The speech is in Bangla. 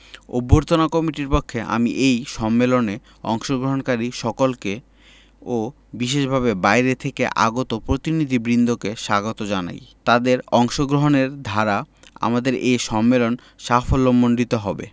অভ্যর্থনা কমিটির পক্ষে আমি এই সম্মেলনে অংশগ্রহণকারী সকলকে ও বিশেষভাবে বাইরে থেকে আগত প্রতিনিধিবৃন্দকে স্বাগত জানাইতাদের অংশগ্রহণের দ্বারা আমাদের এ সম্মেলন সাফল্যমণ্ডিত হবে